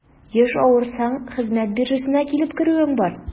Еш авырсаң, хезмәт биржасына килеп керүең бар.